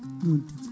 noon tigui